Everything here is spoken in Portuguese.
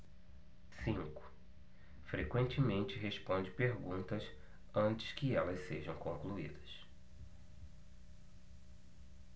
cinco frequentemente responde perguntas antes que elas sejam concluídas